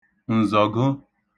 ǹzọ̀ġo